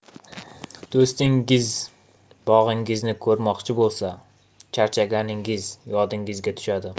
do'stingiz bog'ingizni ko'rmoqchi bo'lsa charchaganingiz yodingizga tushadi